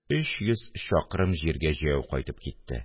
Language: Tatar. Өч йөз чакрым җиргә җәяү кайтып китте